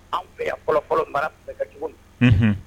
An bɛɛ fɔlɔfɔlɔ mara bɛ ka cogo min